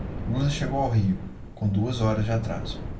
lula chegou ao rio com duas horas de atraso